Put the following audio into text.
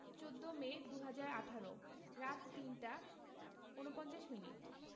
১৪মে ২০১৮ রাত ৩টা ৪৯ মিনিট